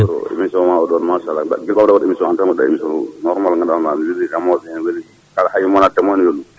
woro émission ma oɗo machallah guila ɓamɗa wadde émission hande tan mbaɗɗa émission normal mo ganduɗa hoorema ne weeli remoɓeɓe ne weeli hay mo wona ndeemowo ene weeli ɗum